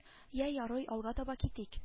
Йә ярый алга таба китик